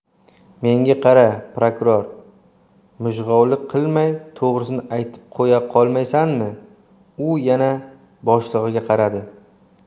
menga qara prokuror mijg'ovlik qilmay to'g'risini aytib qo'ya qolmaysanmi u yana boshlig'iga qaradi